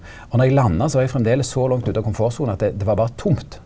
og når eg landa så var eg framleis så langt ute av komfortsona at det det var berre tomt.